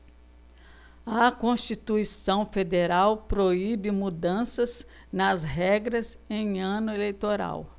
a constituição federal proíbe mudanças nas regras em ano eleitoral